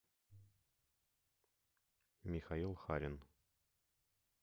михаил харин